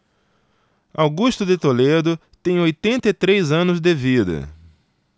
augusto de toledo tem oitenta e três anos de vida